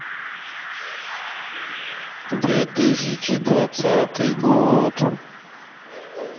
две тысячи двадцатый год